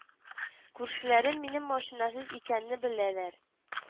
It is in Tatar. Күршеләрем минем машинасыз икәнне беләләр